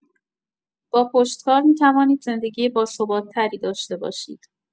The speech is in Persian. با پشتکار می‌توانید زندگی باثبات‌تری داشته باشید.